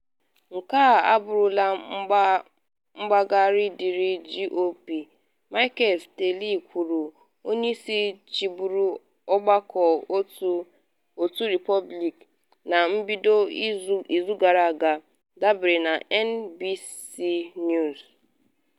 “Nke a abụrụla ọgbaghara dịịrị GOP,” Michael Steele kwuru, onye isi chịburu Ọgbakọ Otu Repọblikan, na mbido izug ara aga, dabere na NBC News.